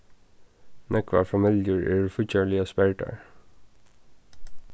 nógvar familjur eru fíggjarliga sperdar